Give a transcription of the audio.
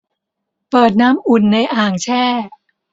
เปิดน้ำอุ่นในอ่างแช่